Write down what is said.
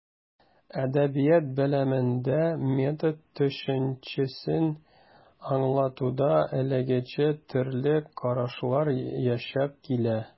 Әдәбият белемендә метод төшенчәсен аңлатуда әлегәчә төрле карашлар яшәп килә.